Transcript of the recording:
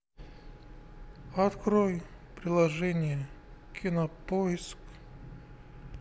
открой приложение кинопоиск